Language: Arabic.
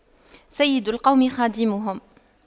سيد القوم خادمهم